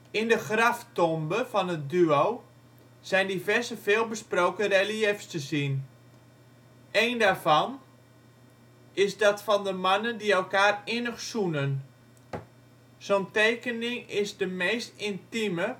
In de graftombe van het duo zijn diverse veelbesproken reliëfs te zien. Een daarvan, hiernaast te zien, is dat van de mannen die elkaar innig zoenen. Zo 'n tekening is de meest intieme